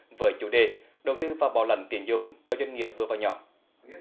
với chủ đề đầu tư và bảo lãnh tín dụng cho doanh nghiệp vừa và nhỏ